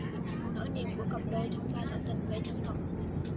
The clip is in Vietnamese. nỗi niềm của cặp đôi trong pha tỏ tình gây chấn động